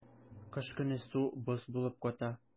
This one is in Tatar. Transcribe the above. Кыш көне су боз булып ката.